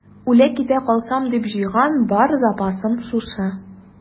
Үлә-китә калсам дип җыйган бар запасым шушы.